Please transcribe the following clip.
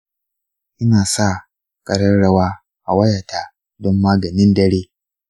ina sa ƙararrawa a wayata don maganin dare.